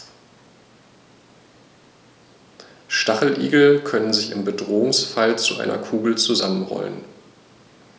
Stacheligel können sich im Bedrohungsfall zu einer Kugel zusammenrollen.